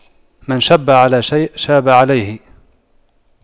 من شَبَّ على شيء شاب عليه